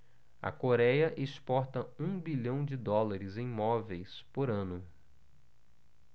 a coréia exporta um bilhão de dólares em móveis por ano